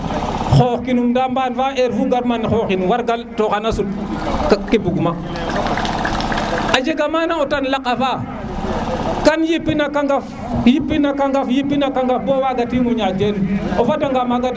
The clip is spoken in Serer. xoox kinum nda mban fa heure fu gar ma xooxin war galto xan sut poɗ ke bug ma a jega mana itam laka fa kam yipina a qadaf yipina qadaf bo waga timo ƴaƴ teen fada nga maga